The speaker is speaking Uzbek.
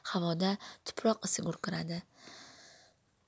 havoda tuproq isi gurkiradi